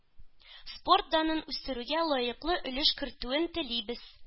Спорт данын үстерүгә лаеклы өлеш кертүен телибез.